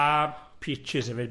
A peaches hefyd.